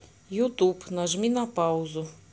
ютуб нажми на паузу